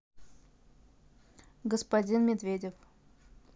господин медведев